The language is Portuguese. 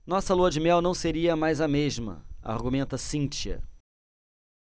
nossa lua-de-mel não seria mais a mesma argumenta cíntia